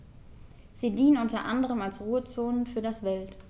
Sie dienen unter anderem als Ruhezonen für das Wild.